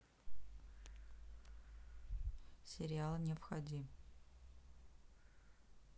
сериал не входи